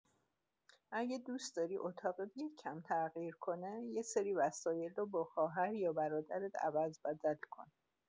اگه دوس داری اتاقت یه کم تغییر کنه، یه سری وسایلو با خواهر یا برادرت عوض‌بدل کن.